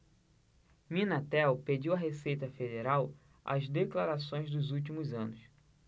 minatel pediu à receita federal as declarações dos últimos anos